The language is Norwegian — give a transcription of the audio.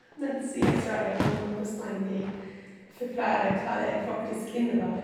Mens i Australia må man bestandig forklare hva det faktisk innebærer.